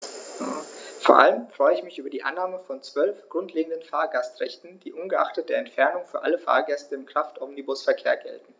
Vor allem freue ich mich über die Annahme von 12 grundlegenden Fahrgastrechten, die ungeachtet der Entfernung für alle Fahrgäste im Kraftomnibusverkehr gelten.